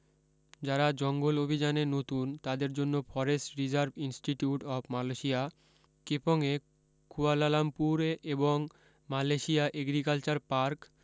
যারা জঙ্গল অভি্যানে নতুন তাদের জন্য forest reserve institute of Malaysia কেপঙে কুয়ালালামপুরে এবং মালয়েশিয়া এগ্রিকালচার পার্ক